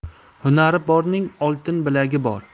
hunari borning oltin bilagi bor